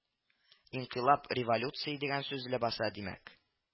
Инкыйлаб революция дигән сүз ләбаса, димәк